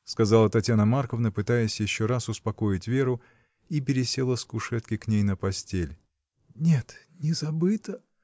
— сказала Татьяна Марковна, пытаясь еще раз успокоить Веру, и пересела с кушетки к ней на постель. — Нет, не забыто!